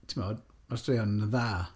Timod, mae'r straeon yn dda.